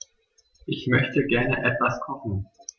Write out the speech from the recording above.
Ich möchte gerne etwas kochen.